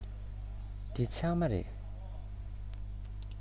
འདི ཕྱགས མ རེད